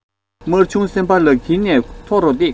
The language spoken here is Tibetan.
དམར ཆུང སེམས པ ལག མཐིལ ནས མཐོ རུ བཏེགས